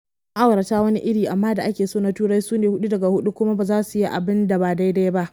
Ma’aurata wani iri amma da ake so na Turai su ne huɗu daga huɗu kuma ba za su yi abin da ba daidai ba.